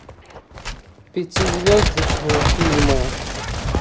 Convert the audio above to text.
пятизвездочные фильмы